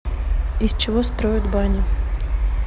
из чего строят бани